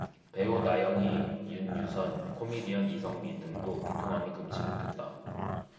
배우 나영희 윤유선 코미디언 이성미 등도 비통함을 금치 못했다